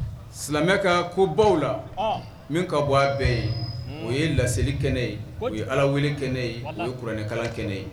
Silamɛ ka ko baw la min ka bɔn a bɛɛ ye o ye laseli kɛnɛ ye o ye Ala weele kɛnɛ ye o ye kuranɛ kalan kɛnɛ ye